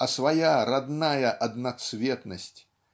а своя родная одноцветность